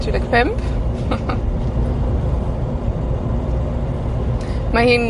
tri deg pump. Mae hi'n,